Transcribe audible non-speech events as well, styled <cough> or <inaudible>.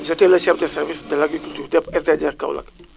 j' étais le chef de service <noise> de l' agriculture de SDDR Kaolack